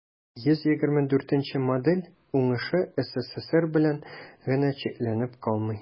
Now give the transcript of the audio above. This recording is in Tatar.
124 нче модель уңышы ссср белән генә чикләнеп калмый.